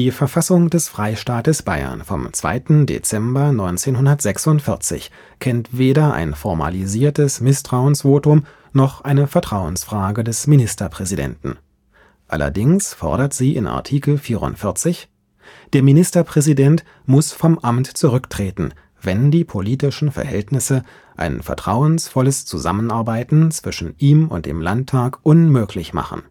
Verfassung des Freistaates Bayern vom 2. Dezember 1946 kennt weder ein formalisiertes Misstrauensvotum noch eine Vertrauensfrage des Ministerpräsidenten. Allerdings fordert sie in Artikel 44: „ [Der Ministerpräsident] muss vom Amt zurücktreten, wenn die politischen Verhältnisse ein vertrauensvolles Zusammenarbeiten zwischen ihm und dem Landtag unmöglich machen